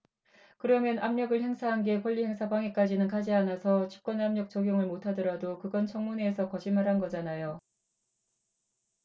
그러면 압력을 행사한 게 권리행사 방해까지는 가지 않아서 직권남용 적용을 못하더라도 그건 청문회에서 거짓말한 거잖아요